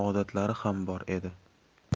odatlari ham bor edi